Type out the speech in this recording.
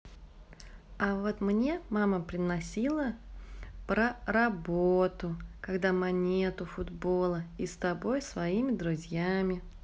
а вот мне мама приносила про работу когда монету футбола и с тобой своими друзьями